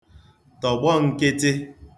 tọ̀gbọ̀ n̄kị̄tị̄